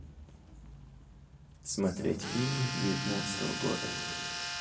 смотреть фильмы девятнадцатого года